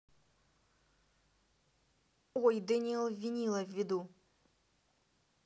ой дэниэл винила ввиду